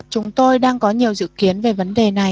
chúng tôi đang có nhiều dự kiến về vấn đề này